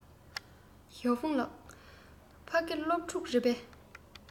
ཞའོ ཧྥུང ལགས ཕ གི སློབ ཕྲུག རེད པས